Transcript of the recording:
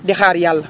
di xaar yàlla